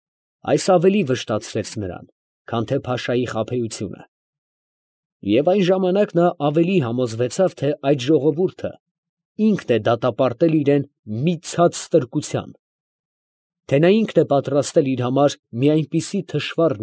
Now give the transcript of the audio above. Այս ավելի վշտացրեց նրան, քան թե փաշայի խաբեությունը, և այն ժամանակ նա ավելի համոզվեցավ, թե այդ ժողովուրդն ինքն է դատապարտել իրան մի ցած ստրկության, թե նա ինքն է պատրաստել իր համար մի այնպիսի թշվառ։